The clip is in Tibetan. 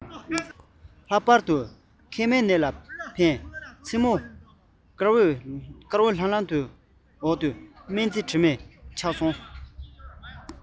ལྷག ཏུ མཁལ མའི ནད ལ ཕན མཚན མོར སྐར འོད ལམ ལམ གྱི འོག ཏུ སྨན རྩྭའི དྲི མས ཁྱབ